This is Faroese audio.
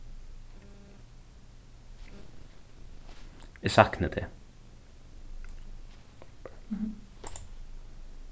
eg sakni teg